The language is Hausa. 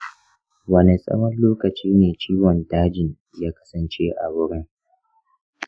wane tsawon lokaci ne ciwon dajin ya kasance a wurin?